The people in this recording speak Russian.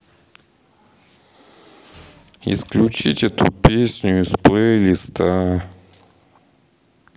исключить эту песню из плейлиста